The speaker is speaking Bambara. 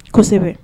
Kosɛbɛ